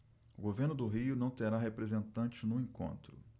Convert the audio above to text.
o governo do rio não terá representante no encontro